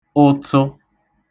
ụtụ